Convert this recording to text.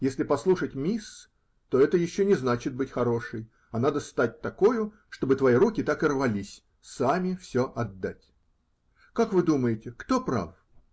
Если послушать мисс, то это еще не значит быть хорошей, а надо стать такою, чтобы твои руки так и рвались сами все отдать. Как вы думаете, кто прав?